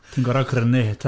Ti'n gorfod crynu eto.